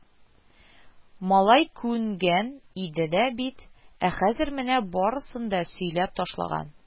Малай күнгән иде дә бит, ә хәзер менә барысын да сөйләп ташлаган